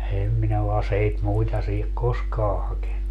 en minä ole aseita muita siihen koskaan hakenut